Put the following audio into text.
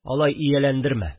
Алай ияләндермә